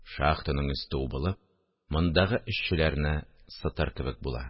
Шахтаның өсте убылып, мондагы эшчеләрне сытыр кебек була